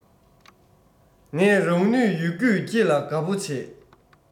ངས རང ནུས ཡོད རྒུས ཁྱེད ལ དགའ པོ བྱས